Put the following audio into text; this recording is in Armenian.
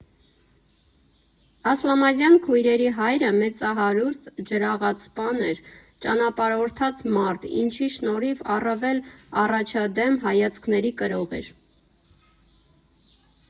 Ասլամազյան քույրերի հայրը մեծահարուստ ջրաղացպան էր, ճանապարհորդած մարդ, ինչի շնորհիվ առավել առաջադեմ հայացքների կրող էր։